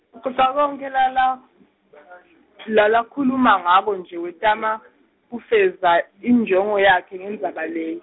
ucoca konkhe lala, lalakhuluma ngako nje wetama, kufeza injongo yakhe ngendzaba ley-.